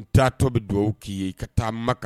N taa tɔ bɛ dugawu k'i ye i ka taa Makkah!